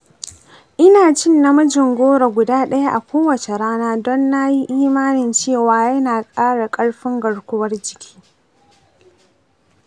ina cin namijin goro guda ɗaya a kowace rana don na yi imanin cewa yana ƙara ƙarfin garkuwar jiki.